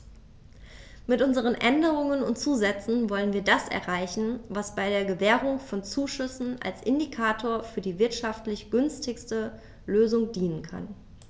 Mit unseren Änderungen und Zusätzen wollen wir das erreichen, was bei der Gewährung von Zuschüssen als Indikator für die wirtschaftlich günstigste Lösung dienen kann.